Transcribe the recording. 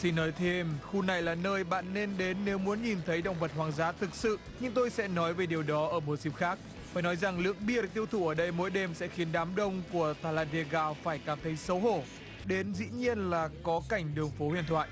xin nói thêm khu này là nơi bạn nên đến nếu muốn nhìn thấy động vật hoang dã thực sự nhưng tôi sẽ nói về điều đó ở một dịp khác phải nói rằng lượng bia được tiêu thụ ở đây mỗi đêm sẽ khiến đám đông của tà là vê ga phải cảm thấy xấu hổ đến dĩ nhiên là có cảnh đường phố huyền thoại